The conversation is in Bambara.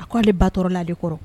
A ko ale ba tɔɔrɔ la ale kɔrɔ.